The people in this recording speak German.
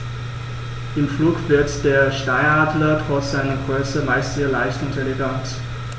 Im Flug wirkt der Steinadler trotz seiner Größe meist sehr leicht und elegant.